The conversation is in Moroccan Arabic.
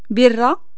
بيرة